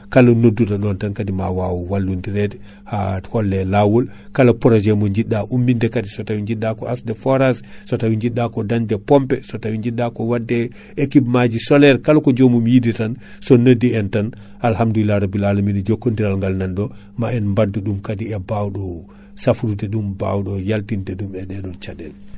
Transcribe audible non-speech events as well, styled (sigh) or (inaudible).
kala nodduɗo non tan kaadi ma waw wallodire de ha holle lawol kala projet mo jidɗa umminde kaadi so tawi jidɗa ko asde forage ,so tawi jidɗa ko dañde pompe so tawi jidɗa ko wadde équipement maji solaire kala ko ko jomum yiɗi tan (breath) so noddi en tan alhamdoulilahi rabbil ala mina jokkodiral ngal nanɗo ma en baddu ɗum kaadi e bawɗo safrude ɗum bawɗo haltinde ɗum e ɗeɗon caɗele